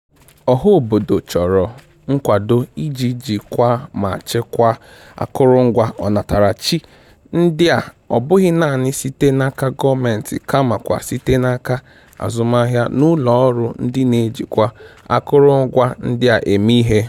Ọhaobodo chọrọ nkwado iji jikwaa ma chekwaa akụrụngwa ọnatarachi ndị a ọbụghị naanị site n'aka gọọmentị kamakwa site n'aka azụmaahịa na ụlọọrụ ndị na-ejikwa akụrụngwa ndị a eme ihe.